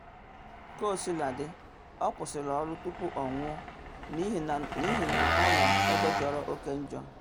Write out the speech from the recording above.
Kaosiladị, ọ kwụsịrị ọrụ tupu ọ nwụọ, n’ihi na ọ “n’ebe jọrọ oke njọ.”